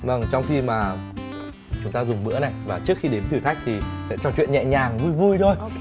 vâng trong khi mà chúng ta dùng bữa này và trước khi đến thử thách thì sẽ trò chuyện nhẹ nhàng vui vui thôi